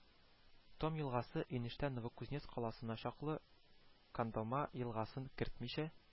Томь елгасы, инештән Новокузнецк каласына чаклы, Кондома елгасын кертмичә,